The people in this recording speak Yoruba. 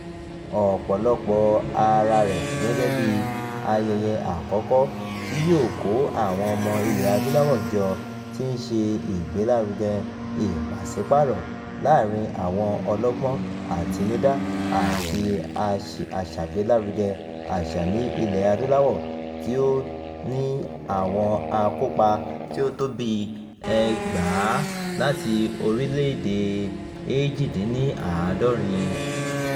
Ó polówó araa rẹ̀ gẹ́gẹ́ bíi "ayẹyẹ àkọ́kọ́ tí yóò kó àwọn ọmọ ilẹ̀ adúláwọ̀ jọ tí ń ṣe ìgbélárugẹ ìpàṣípààrọ̀ láàárín àwọn ọlọ́gbọ́n àtinudá àti aṣàgbélárugẹ àṣà ní Ilẹ̀-Adúláwọ̀ ", tí ó ní àwọn akópa tí ó tó bíi 2,000 láti orílẹ̀-èdè 68.